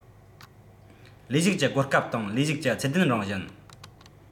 ལས ཞུགས ཀྱི གོ སྐབས དང ལས ཞུགས ཀྱི ཚད ལྡན རང བཞིན